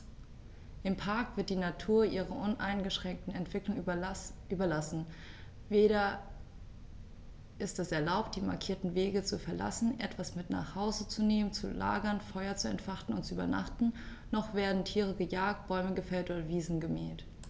Im Park wird die Natur ihrer uneingeschränkten Entwicklung überlassen; weder ist es erlaubt, die markierten Wege zu verlassen, etwas mit nach Hause zu nehmen, zu lagern, Feuer zu entfachen und zu übernachten, noch werden Tiere gejagt, Bäume gefällt oder Wiesen gemäht.